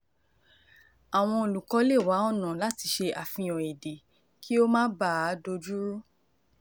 Àwọn olùkọ́ lè wá ọ̀nà láti ṣe àfihàn èdè kí ó má baà dojú rú.